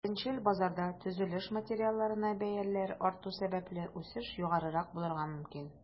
Беренчел базарда, төзелеш материалларына бәяләр арту сәбәпле, үсеш югарырак булырга мөмкин.